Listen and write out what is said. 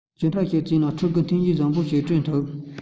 ཅི འདྲ ཞིག བྱས ན ཕྲུ གུར མཐུན རྐྱེན བཟང པོ ཞིག བསྐྲུན ཐུབ